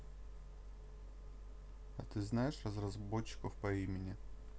а ты знаешь разработчиков по имени